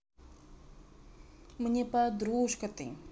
мне подружка ты